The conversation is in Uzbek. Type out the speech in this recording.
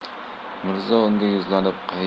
mirzo unga yuzlanib